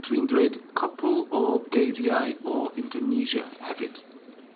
dwi'n dweud cwpl o geiriau o Indonesia hefyd.